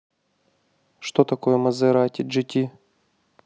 что такое мазерати gt